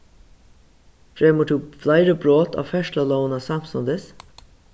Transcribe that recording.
fremur tú fleiri brot á ferðslulógina samstundis